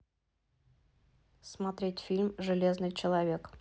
смотреть фильм железный человек